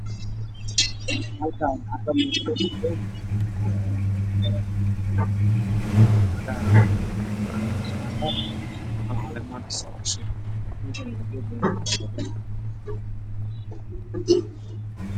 Halkan waxaa ka muuqdo ay weel ku jiraan geed cagaar ah